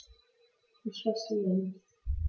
Ich verstehe nicht.